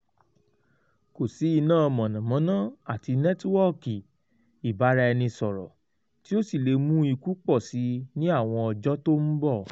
Kò sí iná mọ̀nà-mọ́ná àti nẹ́tíwọkì ìbáraẹnisọ̀rọ̀ tí ó sì lè mú ikú pọ̀si ní àwọn ọjọ tó ńbọ̀